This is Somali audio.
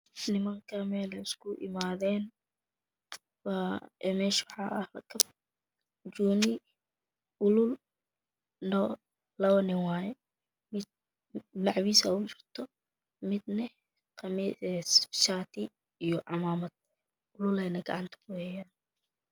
Nimankan meeshey isugu imaadeen meeshana waxaa yaalo dooni ulal waana laba nin mid macawiisaaa ugu jirto shaatii iyo cumaamad ulal ayna gacanta ku hayaan